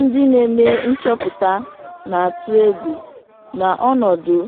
Ndị na-eme nchọpụta na-atụ egwu na ọnọdụ